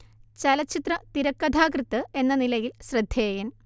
ചലച്ചിത്ര തിരക്കഥാകൃത്ത് എന്ന നിലയിൽ ശ്രദ്ധേയൻ